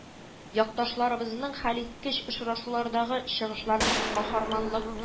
Якташларыбызның хәлиткеч очрашулардагы чыгышларын каһарманлык